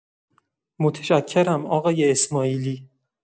متشکرم آقای اسماعیلی!